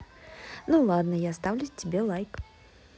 ну ладно я ставлю тебе лайк